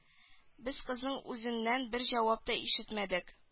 Без кызның үзеннән бер җавап та ишетмәдек